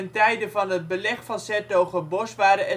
tijde van het Beleg van ' s-Hertogenbosch waren